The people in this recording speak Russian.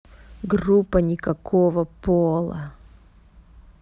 группа никакого пола